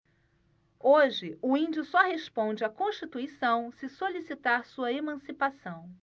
hoje o índio só responde à constituição se solicitar sua emancipação